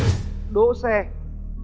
đỗ xe